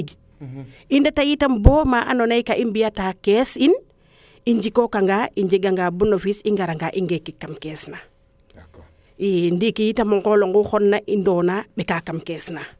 i ndeta yitam bo ma adno naye ka i biya ta ka ando naye kees in i njikooga nga i njega nga benefice i ngara nga i ngekit no kees na ndiiki itam o ŋolonga i mbeka kam kees na